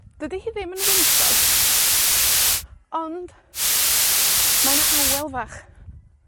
Dydi hi ddim yn wyntog, ond, mae 'na awel fach.